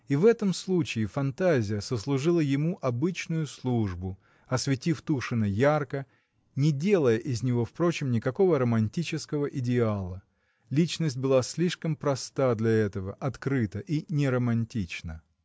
И в этом случае фантазия сослужила ему обычную службу, осветив Тушина ярко, не делая из него, впрочем, никакого романтического идеала: личность была слишком проста для этого, открыта и не романтична.